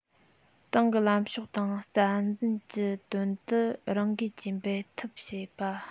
ཏང གི ལམ ཕྱོགས དང རྩ འཛིན གྱི དོན དུ རང འགུལ གྱིས འབད འཐབ བྱེད པ